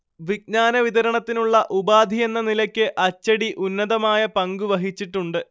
വിജ്ഞാന വിതരണത്തിനുള്ള ഉപാധിയെന്ന നിലയ്ക്ക് അച്ചടി ഉന്നതമായ പങ്കുവഹിച്ചിട്ടുണ്ട്